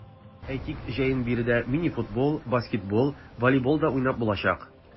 Әйтик, җәен биредә мини-футбол, баскетбол, волейбол да уйнап булачак.